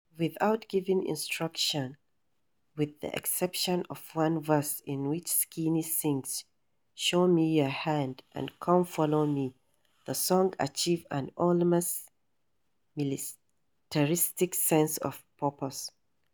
Without giving instructions (with the exception of one verse in which Skinny sings "show me yuh hand" and "come follow me"), the song achieves an almost militaristic sense of purpose.